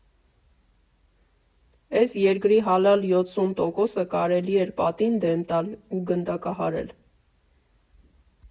Էս երգրի հալալ յոթսուն տոկոսը կարելի էր պատին դեմ տալ ու գնդակահարել։